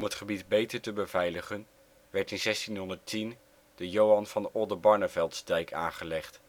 gebied beter te beveiligen werd in 1610 de Johan van Oldebarneveltsdijk aangelegd